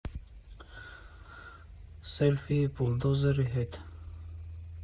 Սելֆի բուլդոզերի հետ։